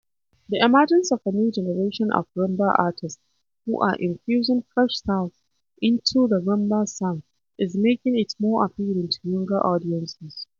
The emergence of a new generation of Rhumba artists who are infusing fresh styles into the Rhumba sound is making it more appealing to younger audiences.